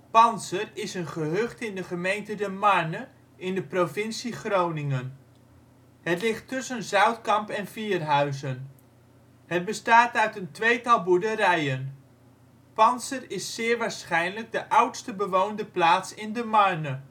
Panser is een gehucht in de gemeente De Marne in de provincie Groningen. Het ligt tussen Zoutkamp en Vierhuizen. Het bestaat uit een tweetal boerderijen. Panser is zeer waarschijnlijk de oudste bewoonde plaats in De Marne